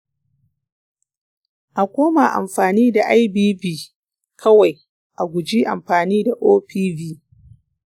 a koma amfani da ipv kawai. a a guji amfani da opv.